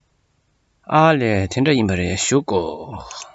ཨ ལས དེ འདྲ ཡིན པ རེད བཞུགས དགོ